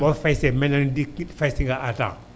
boo fay see mel na ni di fay si nga à temps